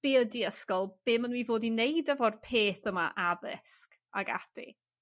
be' ydi ysgol be' ma' nw i fod i neud efo'r peth yma addysg ag ati.